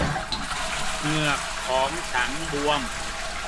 เหงือกของฉันบวม